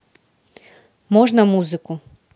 можно музыку